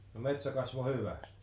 no metsä kasvoi hyvästi